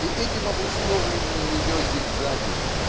и этим обусловлены ее зигзаги